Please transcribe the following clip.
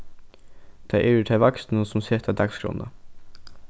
tað eru tey vaksnu sum seta dagsskránna